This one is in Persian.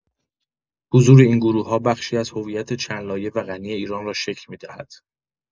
حضور این گروه‌ها بخشی از هویت چندلایه و غنی ایران را شکل می‌دهد.